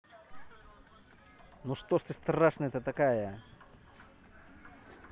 ну что ж ты страшная такая